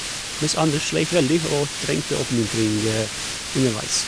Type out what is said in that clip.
Mens andre sleit veldig og trengte oppmuntring underveis.